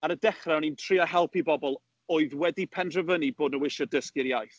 Ar y dechrau o'n i'n trio helpu bobl oedd wedi penderfynu bod nhw isio dysgu'r iaith.